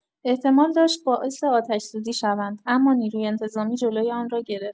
احتمال داشت باعث آتش‌سوزی شوند، امانیروی انتظامی جلوی آن را گرفت.